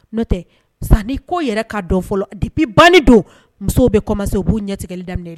N'o tɛ san'i ko yɛrɛ'a dɔn fɔlɔp ban don musow bɛ kɔmɔ b'u ɲɛtigɛli daminɛ ye